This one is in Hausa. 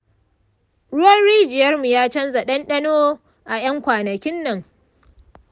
ruwan rijiyarmu ya canja ɗanɗano a ƴan kwanakin nan.